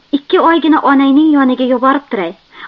ikki oygina onangni yoniga yuborib turay